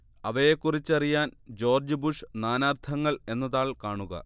അവയെക്കുറിച്ചറിയാൻ George Bush നാനാർത്ഥങ്ങൾ എന്ന താൾ കാണുക